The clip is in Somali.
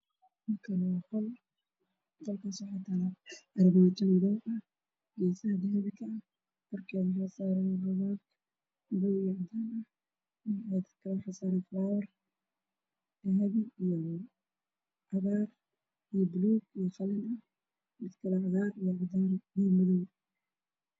Waa qol waxaa yaalo armaajo madow ah geesaha dahabi ka ah waxaa saaran buugaag madow iyo cadaan ah, falaawar dahabi, jaale iyo cagaar , buluug iyo qalin mid kale buluug iyo cagaar.